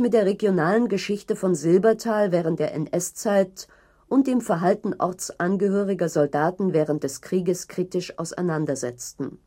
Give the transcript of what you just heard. der regionalen Geschichte von Silbertal während der NS-Zeit und dem Verhalten ortsangehöriger Soldaten während des Krieges kritisch auseinandersetzten